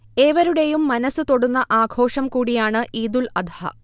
ഏവരുടെയും മനസ്സ് തൊടുന്ന ആഘോഷം കൂടിയാണ് ഈദുൽ അദ്ഹ